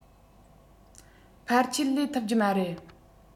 ཕལ ཆེལ ལས ཐུབ རྒྱུ མ རེད